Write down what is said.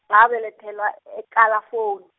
ngabelethelwa eKalafoni.